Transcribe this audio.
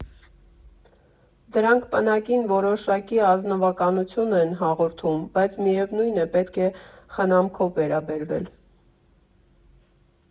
Դրանք պնակին որոշակի ազնվականություն են հաղորդում, բայց միևնույն է, պետք է խնամքով վերաբերվել։